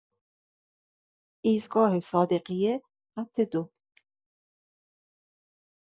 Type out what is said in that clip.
ایستگاه صادقیه، خط ۲.